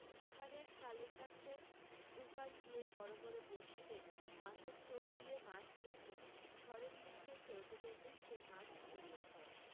পাহাড়ের কালের কাছে দু পা গিয়ে বড় বড় বঁডশিতে মাছের টোপ দিয়ে মাছ গেঁথে ঝড়ের মুখে টলতে টলতে সেই মাছ পুড়িয়ে খাওয়া